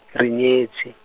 re nyetše.